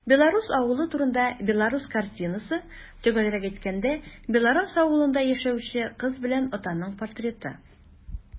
Белорус авылы турында белорус картинасы - төгәлрәк әйткәндә, белорус авылында яшәүче кыз белән атаның портреты.